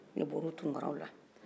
ne bɔra o tunkaraw la